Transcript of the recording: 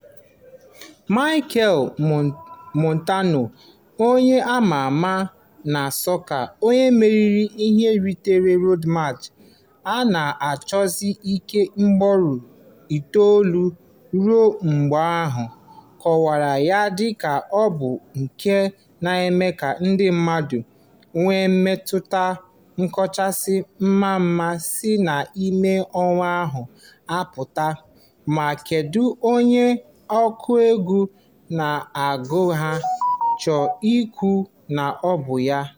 Machel Montano, onye a ma ama na sọka, onye meriri ihe nrite Road March a na-achọsi ike ugboro itoolu ruo ugbu a, kọwara ya dị ka "abụ nke na-eme ka ndị mmadụ nwee mmetụta kachasị mma ma si n'ime onwe ha na-apụta"— ma kedu onye ọkụ egwu na-agaghị achọ ikwu na ọ bụ ya?